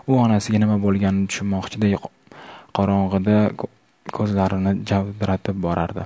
u onasiga nima bo'lganini tushunmoqchiday qorong'ida ko'zlarini javdiratib borardi